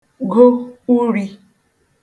gụ urī